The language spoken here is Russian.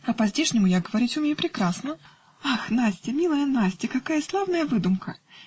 -- А по-здешнему я говорить умею прекрасно. Ах, Настя, милая Настя! Какая славная выдумка!